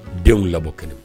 Denw labɔ kɛnɛ